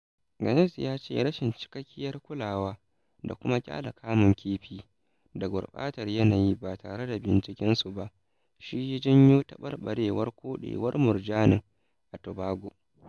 Ganase ya ce rashin cikakkiyar kulawa da kuma ƙyale kamun kifi da gurɓatar yanayi ba tare da bincikensu ba shi ya janyo taɓarɓarewar koɗewar murjanin a Tobago.